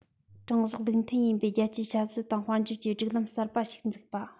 དྲང གཞག ལུགས མཐུན ཡིན པའི རྒྱལ སྤྱིའི ཆབ སྲིད དང དཔལ འབྱོར གྱི སྒྲིག ལམ གསར པ ཞིག འཛུགས པ